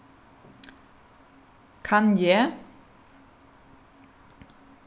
kann eg